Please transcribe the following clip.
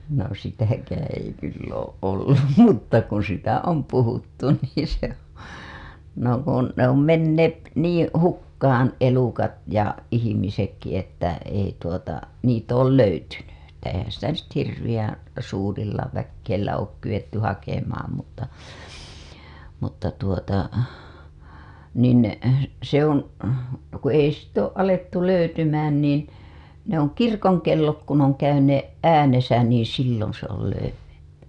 no sitäkään ei kyllä ole ollut mutta kun sitä on puhuttu niin se no kun ne on menneet niin hukkaan elukat ja ihmisetkin että ei tuota niitä ole löytynyt että eihän sitä hirveän suurilla väillä ole kyetty hakemaan mutta mutta tuota niin se on kun ei sitten ole alettu löytymään niin ne - on kirkonkellot kun on käyneet äänessä niin silloin se on löydetty